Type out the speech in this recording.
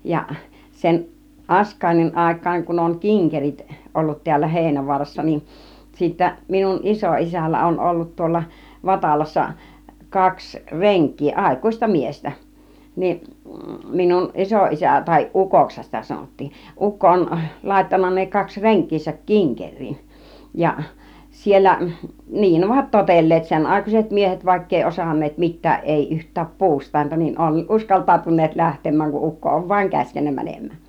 ja sen Askainin aikaan kun on kinkerit ollut täällä Heinävaarassa niin sitten minun isoisällä on ollut tuolla Vatalassa kaksi renkiä aikuista miestä niin minun isoisä tai ukoksihan sitä sanottiin ukko on laittanut ne kaksi renkiänsä kinkeriin ja siellä niin ovat totelleet senaikaiset miehet vaikka ei osanneet mitään ei yhtään puustainta niin on uskaltautuneet lähtemään kun ukko on vain käskenyt menemään